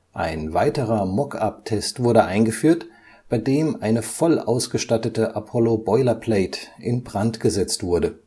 Ein weiterer Mock-up-Test wurde eingeführt, bei dem eine voll ausgestattete Apollo-Boilerplate in Brand gesetzt wurde